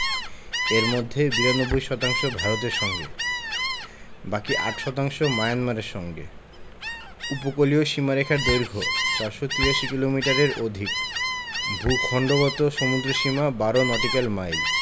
এর মধ্যে ৯২ শতাংশ ভারতের সঙ্গে এবং বাকি ৮ শতাংশ মায়ানমারের সঙ্গে উপকূলীয় সীমারেখার দৈর্ঘ্য ৪৮৩ কিলোমিটারের অধিক ভূখন্ডগত সমুদ্রসীমা ১২ নটিক্যাল মাইল